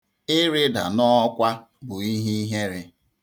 Ịrịda n'ọkwa bụ ihe ihere.